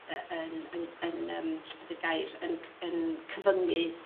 yy yn yn yn yym be' 'di'r yn c- yn cyfyngu...